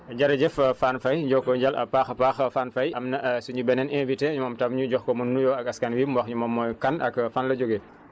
jërëjëf Fane Faye Fane Faye am na suñu beneen invité moom tam ñu jox ko mu nuyoo ak askan wi wax ñu moom mooy kan ak fan la jógee